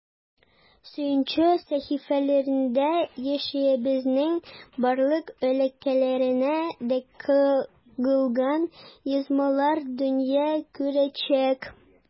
“сөенче” сәхифәләрендә яшәешебезнең барлык өлкәләренә дә кагылган язмалар дөнья күрәчәк.